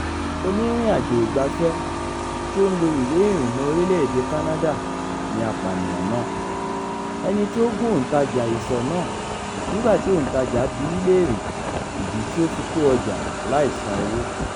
Onírìn àjò ìgbafẹ́ tí ó ń lo ìwé-ìrìnnà Orílẹ̀-èdè Canada ni apànìyàn náà, ẹni tí ó gún òǹtajà ìsọ̀ náà nígbà tí òǹtajà bíi léèrè ìdí tí ó fi kó ọjà láì san owó.